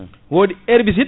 wodi herbicide